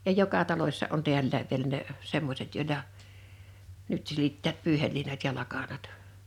ja joka talossa on täälläkin vielä ne semmoiset joilla nyt silittävät pyyheliinat ja lakanat